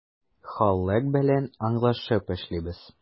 Халык белән аңлашып эшлибез.